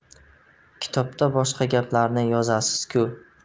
kitobda boshqa gaplarni yozasiz ku